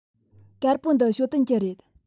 དཀར པོ འདི ཞའོ ཏོན གྱི རེད